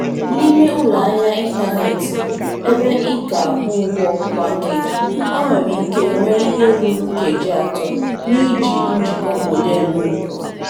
N'ime ụlọahịa ịntaneetị, ebe ị ga-akwụ ụgwọ kwa nkeji, o nwere ike wee ihe ruru nkeji atọ n'iji njikọ modem òkù.